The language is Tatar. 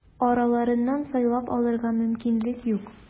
Араларыннан сайлап алырга мөмкинлек юк.